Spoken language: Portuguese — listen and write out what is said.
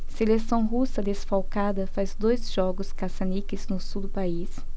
seleção russa desfalcada faz dois jogos caça-níqueis no sul do país